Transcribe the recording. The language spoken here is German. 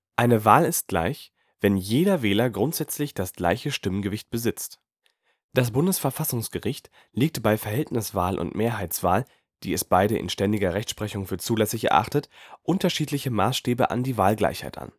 Eine Wahl ist gleich, wenn jeder Wähler grundsätzlich das gleiche Stimmgewicht besitzt. Das Bundesverfassungsgericht legt bei Verhältniswahl und Mehrheitswahl, die es beide in ständiger Rechtsprechung für zulässig erachtet, unterschiedliche Maßstäbe an die Wahlgleichheit an